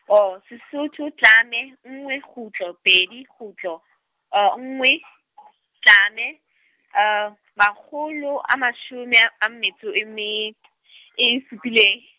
oh Sesotho tlamme, nngwe kgutlo, pedi kgutlo, nngwe tlamme, makgolo a mashome a a metso e mme , e supile.